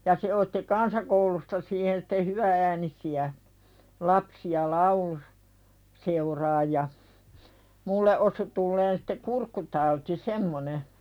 ja se otti kansakoulusta siihen sitten hyvä-äänisiä lapsia - lauluseuraan ja minulle osui tulemaan sitten kurkkutauti semmoinen